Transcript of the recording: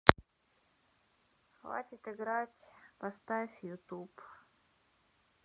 хватит играть поставь ютуб